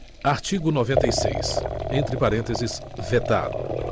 artigo noventa e seis entre parênteses vetado